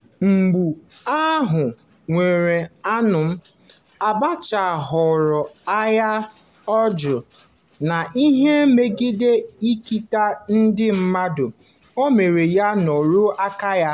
Ugbu a ọ nwụrụ anwụ, Abacha ghọrọ aha ọjọọ n'ihi mmegide ikike ndị mmadụ o mere yana nrụrụ aka ya.